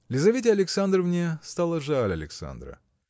Лизавете Александровне стало жаль Александра